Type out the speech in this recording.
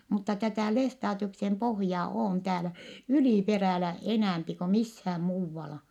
mutta tätä Lestadiuksen pohjaa on täällä yliperällä enempi kun missään muualla